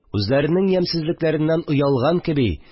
Үзләренең ямьсезлекләреннән оялган кеби